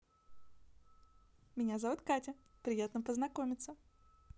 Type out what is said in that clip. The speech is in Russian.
меня зовут катя приятно познакомиться